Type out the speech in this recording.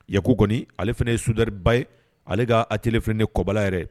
Yaku kɔni ale fana ye soudeur ye ale ka atelier filɛ ni ye kɔbala yɛrɛ